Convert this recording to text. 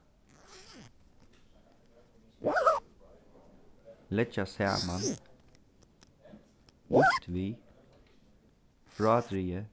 leggja saman býtt við frádrigið